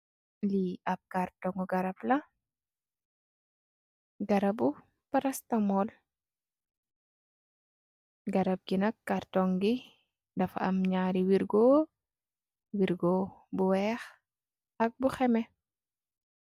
Li ap kartungi garap la, garap bu prestamol. Garap ngi nak kartungi dafa am ñaari wirgo, wirgo bu wèèx ak bu xemeh.